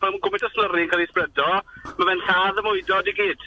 Pan mae gymaint o slyri'n cael ei spredo, mae fe'n lladd y mwydod i gyd.